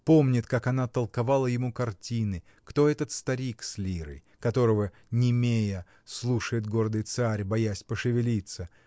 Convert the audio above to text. Помнит, как она толковала ему картины: кто этот старик с лирой, которого, немея, слушает гордый царь, боясь пошевелиться